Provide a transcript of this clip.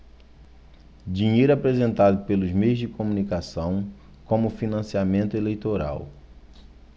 dinheiro apresentado pelos meios de comunicação como financiamento eleitoral